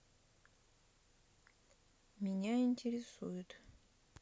меня интересует